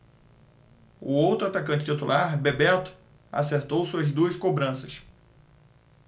o outro atacante titular bebeto acertou suas duas cobranças